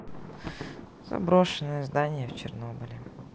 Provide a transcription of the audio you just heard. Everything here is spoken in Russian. заброшенное здание в чернобыле